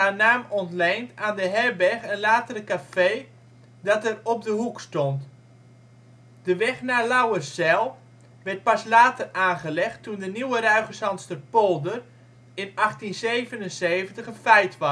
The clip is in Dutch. naam ontleent aan de herberg en latere café dat er ' op de hoek ' stond. De weg naar Lauwerzijl werd pas later aangelegd toen de Nieuwe Ruigezandsterpolder (1877) een feit was. In